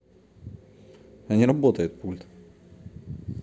а не работает пульт